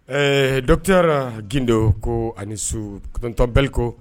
Ɛɛ dɔ kɛrayara gdo ko ani so kɔnɔntɔn baliko